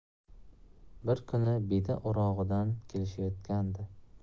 bir kuni beda o'rog'idan kelishayotgandi